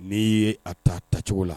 N' ye a ta tacogo la